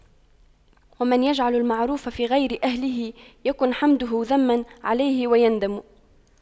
ومن يجعل المعروف في غير أهله يكن حمده ذما عليه ويندم